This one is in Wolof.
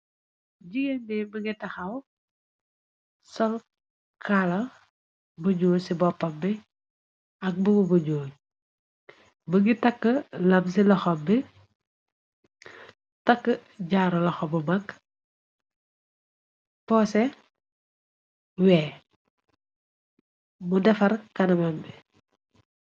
Jigeengi bë ngi taxaw sol kaala bu nuul ci boppam bi ak bugu bu juul bë ngi takk lam ci loxa bi takk jaaru loxo bu mag poose wee mu defar kanamen bi.